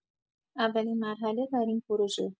اولین مرحله در این پروژه